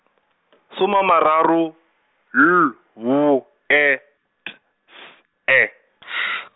soma a mararo, L W E T S E .